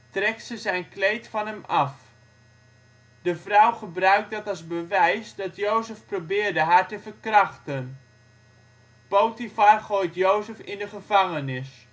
trekt ze zijn kleed van hem af. De vrouw gebruikt dat als bewijs dat Jozef probeerde haar te verkrachten. Potifar gooit Jozef in de gevangenis